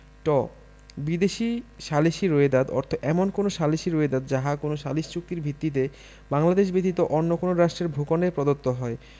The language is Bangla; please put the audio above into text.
ট বিদেশী সালিসী রোয়েদাদ অর্থ এমন কোন সালিসী রোয়েদাদ যাহা কোন সালিস চুক্তির ভিত্তিতে বাংলাদেশ ব্যতীত অন্য কোন রাষ্ট্রের ভূখন্ডে প্রদত্ত হয়